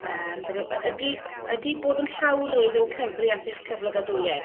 yym "Ydi ydi bod yn llawrydd yn cyfri at eich cyflogadwyedd?"